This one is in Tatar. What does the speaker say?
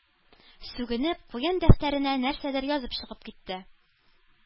Сүгенеп, куен дәфтәренә нәрсәдер язып чыгып китте.